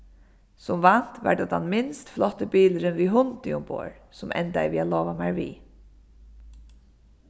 sum vant var tað tann minst flotti bilurin við hundi umborð sum endaði við at lova mær við